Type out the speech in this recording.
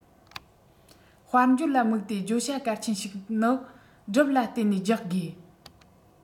དཔལ འབྱོར ལ དམིགས ཏེ བརྗོད བྱ གལ ཆེན ཞིག ནི སྒྲུབ ལ བརྟེན ནས རྒྱག དགོས